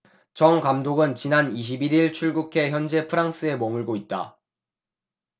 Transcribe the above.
정 감독은 지난 이십 일 일 출국해 현재 프랑스에 머물고 있다